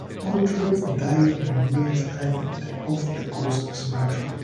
Hundreds died in Nias Island, off the coast of Sumatra.